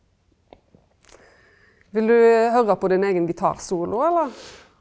vil du høyra på din eigen gitarsolo eller?